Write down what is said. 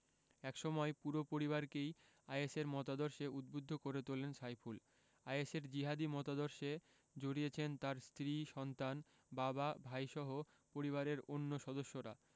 একসময় পুরো পরিবারকেই আইএসের মতাদর্শে উদ্বুদ্ধ করে তোলেন সাইফুল আইএসের জিহাদি মতাদর্শে জড়িয়েছেন তাঁর স্ত্রী সন্তান বাবা ভাইসহ পরিবারের অন্য সদস্যরা